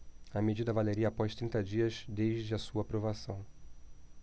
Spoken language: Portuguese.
a medida valeria após trinta dias desde a sua aprovação